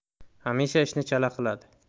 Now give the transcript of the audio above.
hamisha ishni chala qiladi